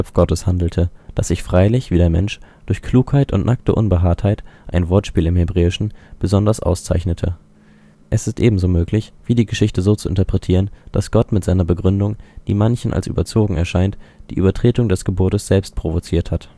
Gottes handelte, dass sich freilich (wie der Mensch) durch Klugheit und nackte Unbehaartheit (ein Wortspiel im Hebräischen) besonders auszeichnete. Es ist ebenso möglich die Geschichte so zu interpretieren, dass Gott mit seiner Begründung, die manchen als überzogen erscheint, die Übertretung des Gebotes selbst provoziert hat